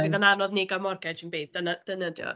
Bydd yn anodd i ni gael mortgage yn bydd, dyna dyna dio.